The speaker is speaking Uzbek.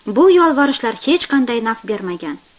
bu yolvorishlar hech qanday naf bermagan